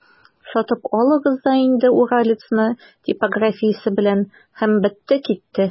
Сатып алыгыз да инде «Уралец»ны типографиясе белән, һәм бетте-китте!